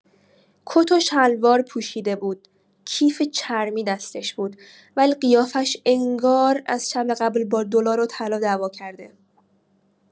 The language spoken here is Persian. کت‌وشلوار پوشیده بود، کیف چرمی دستش بود، ولی قیافه‌ش انگار از شب قبل با دلار و طلا دعوا کرده.